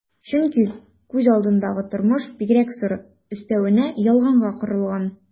Чөнки күз алдындагы тормыш бигрәк соры, өстәвенә ялганга корылган...